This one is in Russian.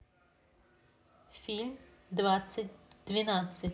фильм двадцать двенадцать